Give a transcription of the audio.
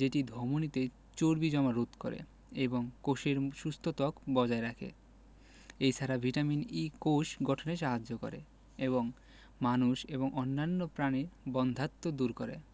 যেটি ধমনিতে চর্বি জমা রোধ করে এবং কোষের সুস্থ ত্বক বজায় রাখে এ ছাড়া ভিটামিন E কোষ গঠনে সাহায্য করে এবং মানুষ এবং অন্যান্য প্রাণীর বন্ধ্যাত্ব দূর করে